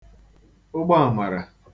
ụgbọàmàrà